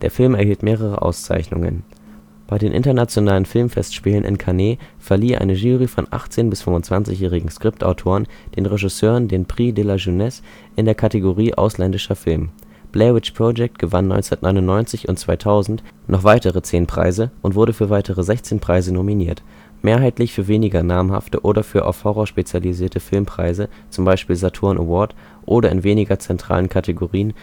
Film erhielt mehrere Auszeichnungen. Bei den Internationalen Filmfestspielen in Cannes verlieh eine Jury von 18 - bis 25jährigen Skriptautoren den Regisseuren den Prix de la Jeunesse in der Kategorie " Ausländischer Film ". Blair Witch Project gewann 1999 und 2000 noch weitere zehn Preise und wurde für weitere 16 Preise nominiert, mehrheitlich für weniger namhafte oder für auf Horror spezialisierte Filmpreise (z. B. Saturn Award) oder in weniger zentralen Kategorien